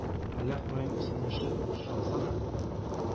Әллә каян исәнләшеп каршы алса да,